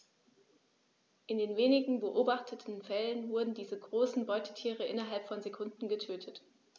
In den wenigen beobachteten Fällen wurden diese großen Beutetiere innerhalb von Sekunden getötet.